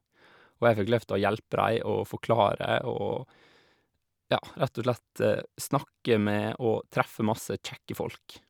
Og jeg fikk lov til å hjelpe de og forklare og, ja, rett og slett snakke med og treffe masse kjekke folk.